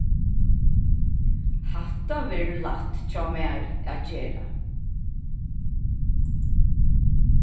hatta verður lætt hjá mær at gera